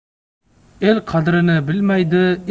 el qadrini bilmaydi